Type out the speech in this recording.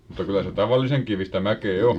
mutta kyllä se tavallisen kivistä mäkeä on